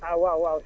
ah waaw waaw